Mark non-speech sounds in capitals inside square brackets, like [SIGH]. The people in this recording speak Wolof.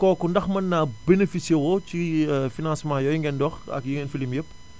kooku ndax mën naa bénéfice woo ci [HESITATION] financements yooyu ngeen di wax ak yi ngeen fi lim yëpp